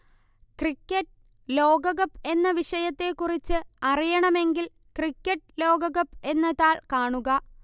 cricket ലോകകപ്പ് എന്ന വിഷയത്തെക്കുറിച്ച് അറിയണമെങ്കില് ക്രിക്കറ്റ് ലോകകപ്പ് എന്ന താള് കാണുക